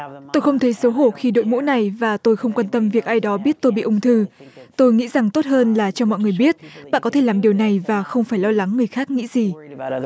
tôi không thấy xấu hổ khi đội mũ này và tôi không quan tâm việc ai đó biết tôi bị ung thư tôi nghĩ rằng tốt hơn là cho mọi người biết bạn có thể làm điều này và không phải lo lắng người khác nghĩ gì